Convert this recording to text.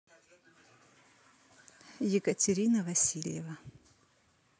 екатерина васильева